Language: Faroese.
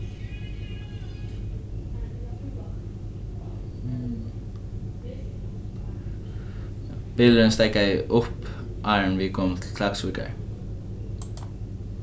bilurin steðgaði upp áðrenn vit komu til klaksvíkar